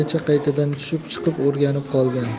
necha qaytadan tushib chiqib o'rganib qolgan